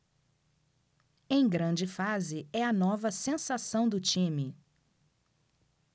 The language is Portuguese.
em grande fase é a nova sensação do time